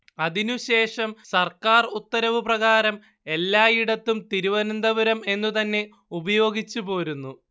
അതിനു ശേഷം സർക്കാർ ഉത്തരവു പ്രകാരം എല്ലായിടത്തും തിരുവനന്തപുരം എന്നു തന്നെ ഉപയോഗിച്ചുപോരുന്നു